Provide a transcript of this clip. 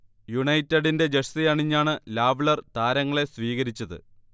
യുണൈറ്റഡിന്റെ ജഴ്സി അണിഞ്ഞാണ് ലാവ്ലെർ താരങ്ങളെ സ്വീകരിച്ചത്